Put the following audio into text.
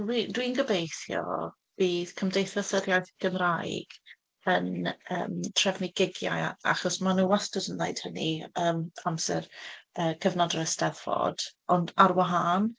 Wel, fi-, dwi'n gobeithio bydd Cymdeithas yr Iaith Gymraeg yn, yym, trefnu gigiau, a- achos maen nhw wastad yn wneud hynny, yym, amser, yy, cyfnod yr Eisteddfod, ond ar wahân.